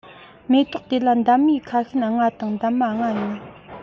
མེ ཏོག དེ ལ འདབ མའི ཁ ཤུན ལྔ དང འདབ མ ལྔ ཡོད